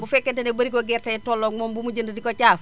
bu fekkente ne barigo gerte moo tolloo ak moom bu mu jënd di ko caaf